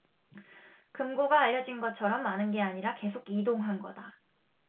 금고가 알려진 것처럼 많은 게 아니라 계속 이동한 거다